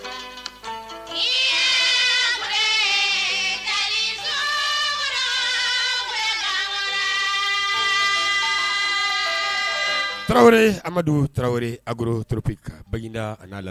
Amadu tarawele afin bagda a'a la